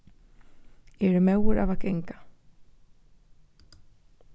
eg eri móður av at ganga